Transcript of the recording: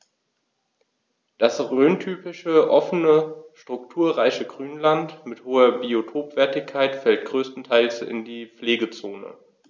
Das rhöntypische offene, strukturreiche Grünland mit hoher Biotopwertigkeit fällt größtenteils in die Pflegezone.